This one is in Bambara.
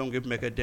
Dɔnku tun bɛ